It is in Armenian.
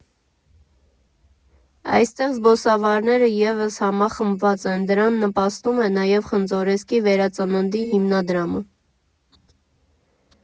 Այստեղ զբոսավարները ևս համախմբված են, դրան նպաստում է նաև «Խնձորեսկի վերածննդի հիմնադրամը»։